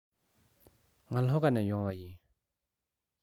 ང ལྷོ ཁ ནས ཡོང པ ཡིན